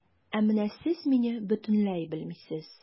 Ә менә сез мине бөтенләй белмисез.